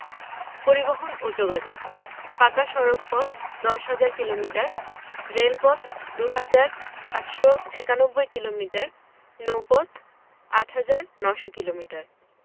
পরিবহণ ও যোগাযোগঃ পাকা সড়কপথ ১০হাজার কিলোমিটার রেলপথ ২হাজার ৮৯১ কিলোমিটার নৌপথ ৮হাজার ৯০০ কিলোমিটার